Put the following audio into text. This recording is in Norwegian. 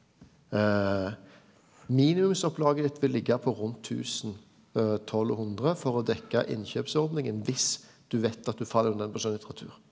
minimumsopplaget ditt vil ligga på rundt 1000 1200 for å dekka innkjøpsordninga viss du veit at du fell under den på skjønnlitteratur.